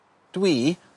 Dwi